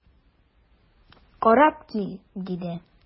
Карап кил,– диде.